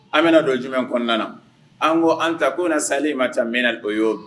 An bɛna don jumɛn kɔnɔna na an ko an ta ko bɛna na sali ma ca mɛn na o ye